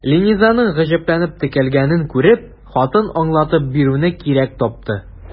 Ленизаның гаҗәпләнеп текәлгәнен күреп, хатын аңлатып бирүне кирәк тапты.